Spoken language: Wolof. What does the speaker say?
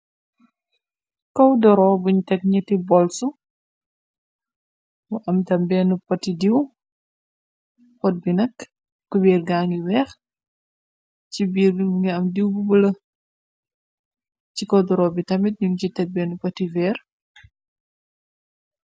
Kaw doro buñ teg ñeti bolsu, bu am tam bénna poti diiw, pot bi nakk ku biir ga ngi wéex ci biir ngi am diiw bu bulo, ci kaw doro bi tamit ñun ci teg benna pati véer.